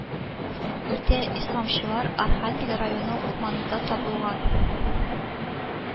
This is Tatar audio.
Үтә исламчылар Архангель районы урманында табылган